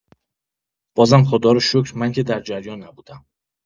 بازم خداروشکر من که در جریان نبودم.